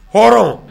Hɔrɔn